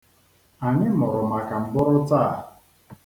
Anyị mụrụ maka mbụrụ taa.